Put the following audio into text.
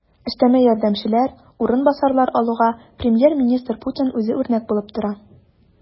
Өстәмә ярдәмчеләр, урынбасарлар алуга премьер-министр Путин үзе үрнәк булып тора.